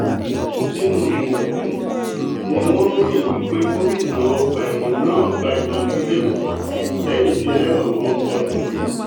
Nínú oṣù Òkúdu níwọ́n ròyìn wí pé gómìnà ọgba-ẹ̀wọ̀n náà gba ìtọ́jú ilé-ìwòsàn lẹ́yìn tí ẹlẹ́wọn kan kọ lù ú.